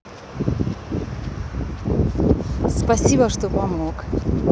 спасибо что помог